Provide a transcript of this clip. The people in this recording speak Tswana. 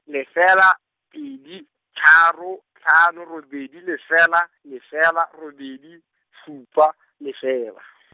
lefela, pedi, tharo, tlhano robedi lefela, lefela, robedi, supa, lefela.